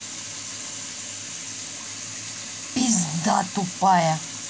пизда тупая